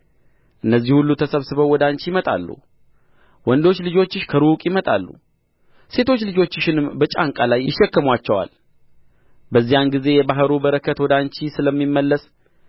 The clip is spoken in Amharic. እነዚህ ሁሉ ተሰብስበው ወደ አንቺ ይመጣሉ ወንዶች ልጆችሽ ከሩቅ ይመጣሉ ሴቶች ልጆችሽንም በጫንቃ ላይ ይሸከሙአቸዋል በዚያን ጊዜ የባሕሩ በረከት ወደ አንቺ ስለሚመለስ